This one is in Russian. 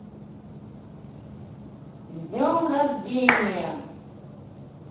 с днем рождения